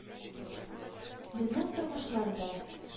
Безнең тормышлар да